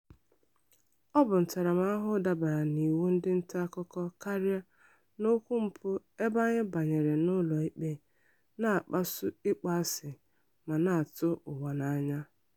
Ọ bụ ntaramahụhụ dabara n'iwu ndị ntaakụkọ karịa n'okwu mpụ ebe anyị banyere n'ụlọikpe, na-akpasu ịkpọ asị ma na-atụ ụwa n'anya.